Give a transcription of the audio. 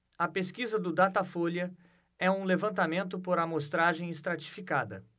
a pesquisa do datafolha é um levantamento por amostragem estratificada